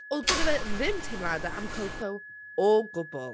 oedd gyda fe ddim teimladau am Coco o gwbl.